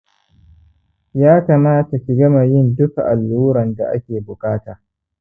ya kamata ki gama yin duka alluran da ake buƙata